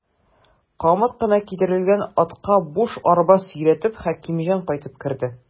Камыт кына кидерелгән атка буш арба сөйрәтеп, Хәкимҗан кайтып керде.